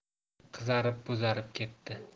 qizarib bo'zarib ketdi